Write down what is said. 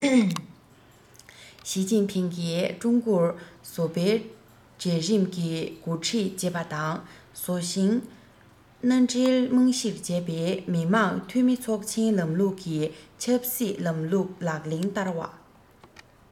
ཞིས ཅིན ཕིང གིས ཀྲུང གོར བཟོ པའི གྲལ རིམ གྱིས འགོ ཁྲིད བྱེད པ དང བཟོ ཞིང མནའ འབྲེལ རྨང གཞིར བྱས པའི མི དམངས འཐུས མི ཚོགས ཆེན ལམ ལུགས ཀྱི ཆབ སྲིད ལམ ལུགས ལག ལེན བསྟར བ